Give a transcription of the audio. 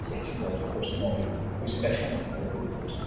sy eto'n dod wrth gwrs yn ôl i pwy sy'n berchen ar hyn wedyn wrth gwrs de.